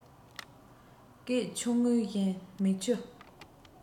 སྐད ཆུང ངུས ངུ བཞིན མིག ཆུའི